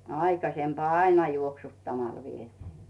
aikaisemmin aina juoksuttamalla vietiin